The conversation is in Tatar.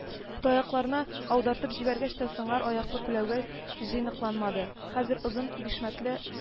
Таякларны аударып җибәргәч тә сыңар аяклы күләгә җыйнакланмады, хәзер озын бишмәтле